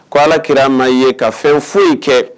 Ko alaki ma ye ka fɛn foyi kɛ